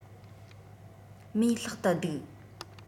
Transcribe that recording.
མོའི ལྷག ཏུ སྡུག